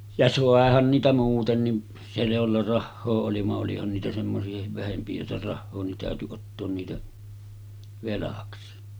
ja saihan niitä muutenkin se jolla rahaa oli vaan olihan niitä semmoisiakin vähempi jolla rahaa niin täytyi ottaa niitä velaksi